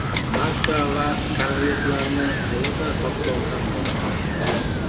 marka va konvertlarni qayerdan sotib olsam bo'ladi